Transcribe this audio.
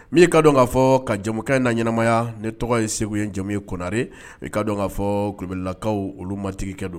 Ni ka dɔn k kaa fɔ ka jamukɛ in na ɲɛnaɛnɛmaya ne tɔgɔ ye segu ye jamu ye konare i ka k kaa fɔ kublakaw olu matigikɛ don